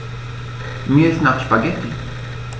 Mir ist nach Spaghetti.